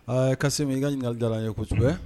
Aa ka se i ka ɲininkakali diyara ye kosɛbɛ